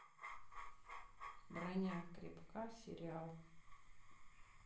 броня крепка сериал